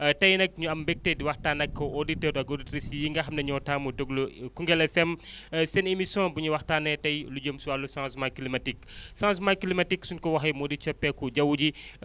tey nag ñu am mbégte di waxtaan ak auditeurs ak auditrice yi nga xam ne ñoo taamu déglu Kougeul FM seen émission bu ñuy waxtaanee tey lu jëm si wàllu changement climatique changement climatique su ñu ko waxee moo di coppeeku jaww ji